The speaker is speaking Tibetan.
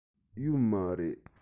ཡོད མ རེད